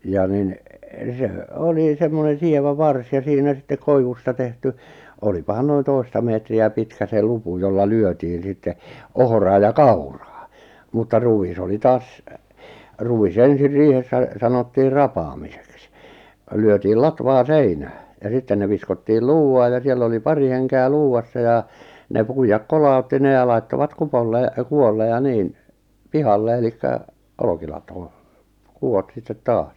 ja niin se oli semmoinen sievä varsi ja siinä sitten koivusta tehty olipahan noin toista metriä pitkä se lupu jolla lyötiin sitten ohraa ja kauraa mutta ruis oli taas ruis ensin riihessä sanottiin rapaamiseksi lyötiin latvaa seinää ja sitten ne viskottiin luuvaan ja siellä oli pari henkeä luuvassa ja ne puida kolautti ne ja laittoivat kupolle kupolle ja niin pihalle eli olkilatoon kupot sitten taas